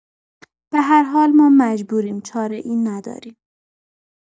به هر حال ما مجبوریم چاره‌ای نداریم.